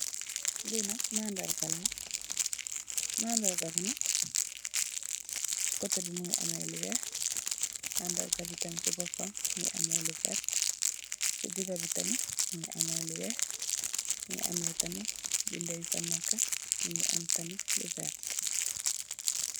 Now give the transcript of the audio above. Lee nak madargal la madarga be nak se koteh be muge ameh lu weex madarga be tam se bopam muge ameh lu verte se degabe tamin muge ameh lu weex muge ameh tamin beda yufa neka muge am tamin lu verte.